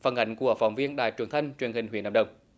phản ánh của phóng viên đài truyền thanh truyền hình huyện nam đông